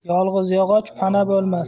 yolg'iz yog'och pana bo'lmas